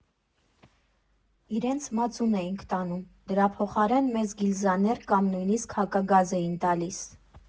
Իրենց մածուն էինք տանում, դրա փոխարեն՝ մեզ գիլզաներ կամ նույնիսկ հակագազ էին տալիս։